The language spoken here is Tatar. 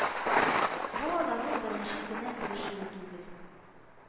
Бу аларның беренче генә күрешүе түгел